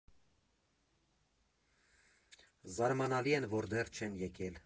Զարմանալի են, որ դեռ չեն եկել։